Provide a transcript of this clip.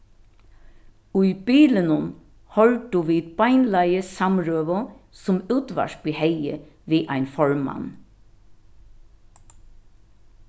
í bilinum hoyrdu vit beinleiðis samrøðu sum útvarpið hevði við ein formann